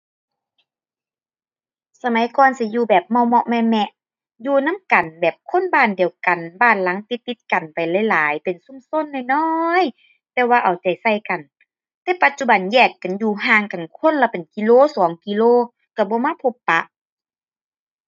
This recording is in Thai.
สมัยก่อนสิอยู่แบบเมาะเมาะแมะแมะ อยู่นำกันแบบคนบ้านเดียวกัน บ้านหลังติดติดกันไปหลายลายเป็นชุมชนน้อยน้อย แต่ว่าเอาใจใส่กัน แต่ปัจจุบันแยกกันอยู่ห่างกัน คนละเป็นกิโลสองกิโลก็บ่มาพบปะ